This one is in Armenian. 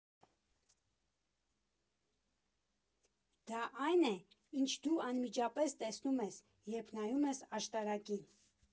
Դա այն է, ինչ դու անմիջապես տեսնում ես, երբ նայում ես աշտարակին։